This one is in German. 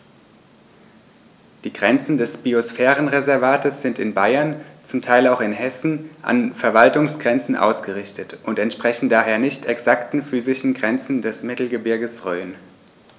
Die Grenzen des Biosphärenreservates sind in Bayern, zum Teil auch in Hessen, an Verwaltungsgrenzen ausgerichtet und entsprechen daher nicht exakten physischen Grenzen des Mittelgebirges Rhön.